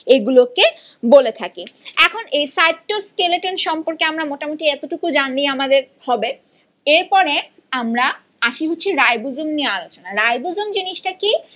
এগুলোকে বলে থাকি এখনই সাইটোস্কেলিটন সম্পর্কে আমরা মোটামুটি এতোটুকু জানলেই আমাদের হবে এরপরে আমরা আসি হচ্ছে রাইবোজোম নিয়ে আলোচনায় রাইবোজোম জিনিসটা কি